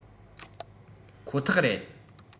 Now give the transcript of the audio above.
ཁོ ཐག རེད